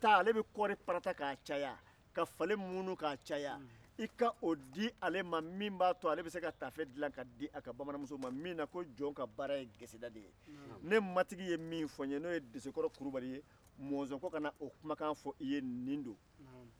i ka o di ale ma min b'a to ale bɛ se ka tafe dilan ka di a ka bamanan musow ma min na ko jɔn ka baara ye geseda de ye ne matigi ye min fɔ n ye n'o ye desekɔrɔ kulubali ye mɔnzɔn ko ka na o kumakan fɔ i ye nin don uhun